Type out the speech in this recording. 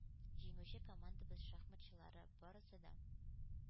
Җиңүче командабыз шахматчылары – барысы да